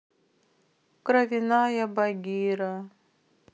кровяная багира